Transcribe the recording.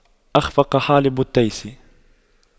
أَخْفَقَ حالب التيس